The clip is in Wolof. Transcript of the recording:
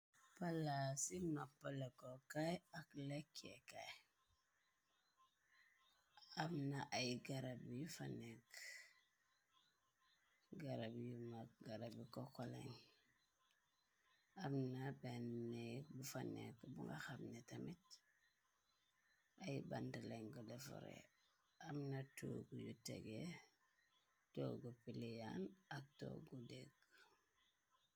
Palaasi nopaleko kaay ak lekce kaay amna ay garab yu fanekk. Garab yu mag garabi ko xolañ. Amna benneek bu fanekk bu nga xamne tamet ay bant leng defore. Amna toog yu tege toogu piliyaan ak toogu degg.